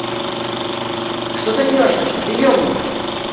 что ты делаешь вообще ты ебанутая